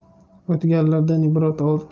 o'tganlardan ibrat ol